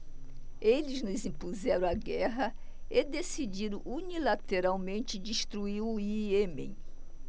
eles nos impuseram a guerra e decidiram unilateralmente destruir o iêmen